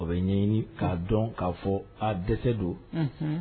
O bɛ ɲɛɲini k'a dɔn k'a fɔ a dɛsɛ don